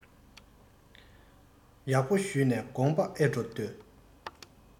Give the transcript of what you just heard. ཡག པོ ཞུས ནས དགོངས པ ཨེ སྤྲོ ལྟོས